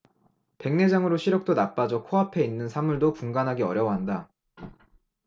백내장으로 시력도 나빠져 코 앞에 있는 사물도 분간하기 어려워한다